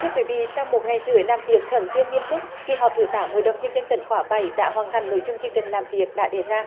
thưa quý vị sau một ngày rưỡi làm việc khẩn trương nghiêm túc kỳ họp thứ tám hội đồng nhân dân tỉnh khóa bảy đã hoàn thành nội dung chương trình làm việc đã đề ra